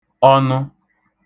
ọnụ